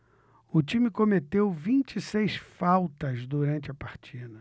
o time cometeu vinte e seis faltas durante a partida